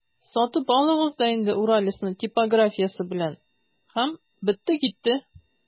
Сатып алыгыз да инде «Уралец»ны типографиясе белән, һәм бетте-китте!